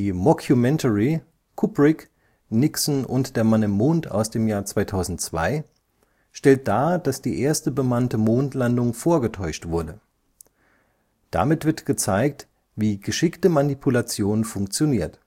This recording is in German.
Mockumentary Kubrick, Nixon und der Mann im Mond (2002) stellt dar, dass die erste bemannte Mondlandung vorgetäuscht wurde. Damit wird gezeigt, wie geschickte Manipulation funktioniert